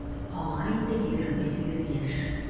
Аңа инде 28 яшь.